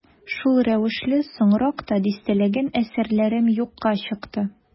Шул рәвешле соңрак та дистәләгән әсәрләрем юкка чыкты.